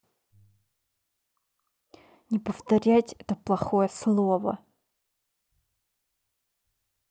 не повторяйте это плохое слово